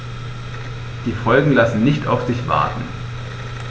Die Folgen lassen nicht auf sich warten.